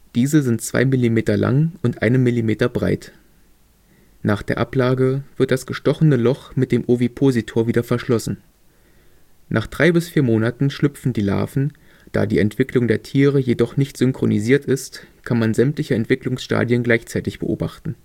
Diese sind zwei Millimeter lang und einen Millimeter breit. Nach der Ablage wird das gestochene Loch mit dem Ovipositor wieder verschlossen. Nach drei bis vier Monaten schlüpfen die Larven, da die Entwicklung der Tiere jedoch nicht synchronisiert ist, kann man sämtliche Entwicklungsstadien gleichzeitig beobachten